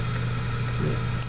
Ne.